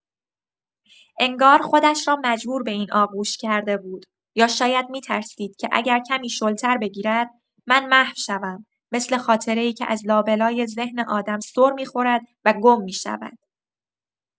انگار خودش را مجبور به این آغوش کرده بود، یا شاید می‌ترسید که اگر کمی شل‌تر بگیرد، من محو شوم، مثل خاطره‌ای که از لابه‌لای ذهن آدم سر می‌خورد و گم می‌شود.